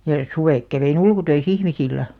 ja suvet kävin ulkotöissä ihmisillä